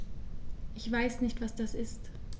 Ich weiß nicht, was das ist.